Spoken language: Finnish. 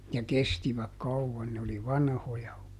ja kestivät kauan ne oli vanhoja